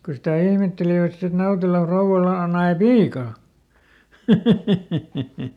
kun sitä ihmettelivät sitten että Nautelan rouvalla - nai piian